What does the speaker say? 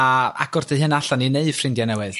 a agor dy hun allan i neu' ffrindia' newydd?